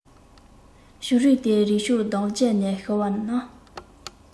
བྱུང རིམ དེ རིགས ཕྱོགས བསྡོམས བརྒྱབ ནས ཞུ ན